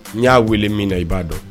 N'i y'a weele min na i b'a dɔn